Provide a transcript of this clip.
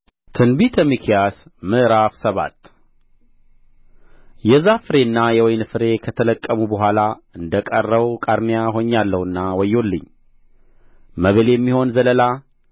ትንቢተ ሚክያስ ምዕራፍ ሰባት የዛፍ ፍሬና የወይን ፍሬ ከተለቀሙ በኋላ እንደ ቀረው ቃርሚያ ሆኛለሁና ወዮልኝ መብል የሚሆን ዘለላ